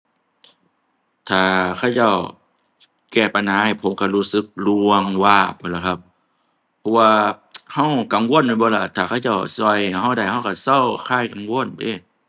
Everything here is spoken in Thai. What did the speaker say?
ถ้าเขาเจ้าแก้ปัญหาให้ผมก็รู้สึกล่วงวาบพู้นแหล้วครับ เพราะว่า ก็กังวลแม่นบ่ล่ะ ถ้าเขาเจ้าก็ให้ก็ได้ ก็ก็เซา คลายกังวลเด้